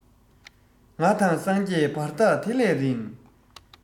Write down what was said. ང དང སངས རྒྱས བར ཐག དེ ལས རིང